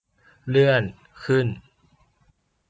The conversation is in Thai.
เลื่อนขึ้น